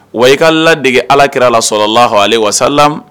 Waka ladege alaki kira lasɔrɔ la haa ale walasasala